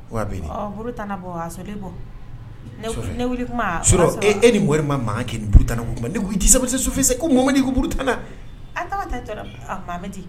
Uru tan bɔ sɔrɔ ne bɔ e e ni m ma makan kɛ niuru tan ma ne tɛsa sufɛse ko mo ma niuru tanana an di